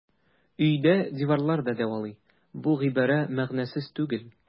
Өйдә диварлар да дәвалый - бу гыйбарә мәгънәсез түгел.